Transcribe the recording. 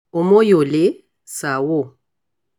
Omoyole Sowore